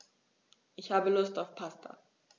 Ich habe Lust auf Pasta.